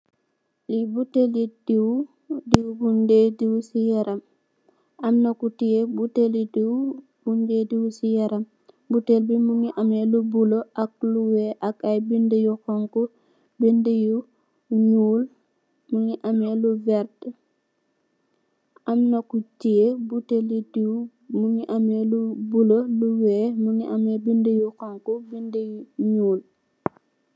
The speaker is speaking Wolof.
Li buttel li deew, deew buñ de deew ci yaram. Amna ku teyeh buttel li deew buñ de deew ci yaram. Mungi am lu bulah lu weex, ak ay binduh yu xonxo. Binduh yu ñuul mungi am lu verta.